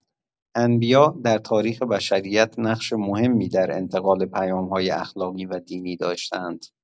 انبیاء در تاریخ بشریت نقش مهمی در انتقال پیام‌های اخلاقی و دینی داشته‌اند.